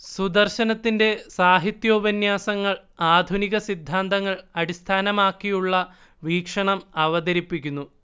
സുദർശനത്തിന്റെ സാഹിത്യോപന്യാസങ്ങൾ ആധുനിക സിദ്ധാന്തങ്ങൾ അടിസ്ഥാനമാക്കിയുള്ള വീക്ഷണം അവതരിപ്പിക്കുന്നു